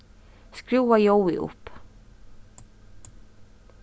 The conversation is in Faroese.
skrúva ljóðið upp